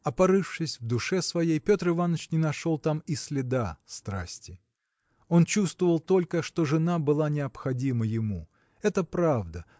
А порывшись в душе своей, Петр Иваныч не нашел там и следа страсти. Он чувствовал только что жена была необходима ему – это правда